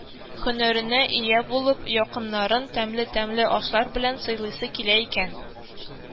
Һөнәренә ия булып, якыннарын тәмле-тәмле ашлар белән сыйлыйсы килә икән